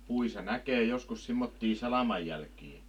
puissa näkee joskus semmoisia salaman jälkiä